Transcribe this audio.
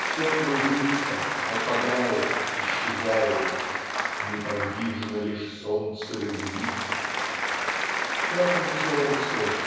Все кружится, пропадает, исчезает - "неподвижно лишь солнце любви". К этому солнцу